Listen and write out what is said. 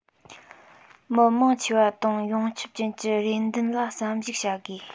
མི མང ཆེ བ དང ཡོངས ཁྱབ ཅན གྱི རེ འདུན ལ བསམ གཞིགས བྱ དགོས